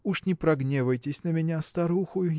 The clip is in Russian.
уж не прогневайтесь на меня, старуху